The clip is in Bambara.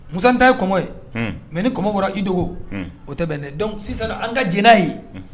Musanin ta ye kɔmɔ ye, unhun, mais ni kɔmɔ bɔra i dogo, o tɛ bɛn dɛ, donc sisan an ka jɛn n'a ye